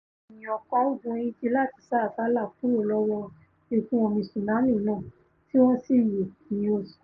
Àwọn ènìyàn kan gun igi láti sá àsálà kuro lọ́wọ́ ìkún omi tsunami náà tí wọ́n sì yè, ni ó sọ.